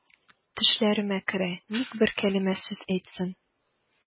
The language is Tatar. Төшләремә керә, ник бер кәлимә сүз әйтсен.